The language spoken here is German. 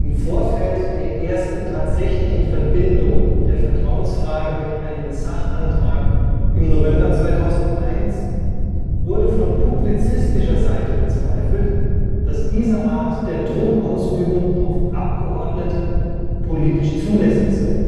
Vorfeld der ersten tatsächlichen Verbindung der Vertrauensfrage mit einem Sachantrag im November 2001 wurde von publizistischer Seite bezweifelt, dass diese Art der Druckausübung auf Abgeordnete (politisch) zulässig sei